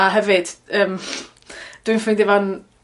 a hefyd yym dwi'n ffeindio fo'n